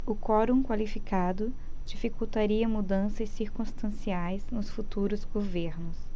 o quorum qualificado dificultaria mudanças circunstanciais nos futuros governos